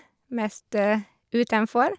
Mest utenfor.